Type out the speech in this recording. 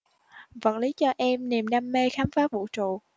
vật lý cho em niềm đam mê khám phá vũ trụ